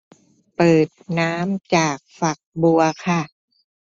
เปิดน้ำจากฝักบัวค่ะ